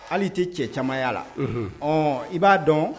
Hali tɛ cɛ camanya la ɔ i b'a dɔn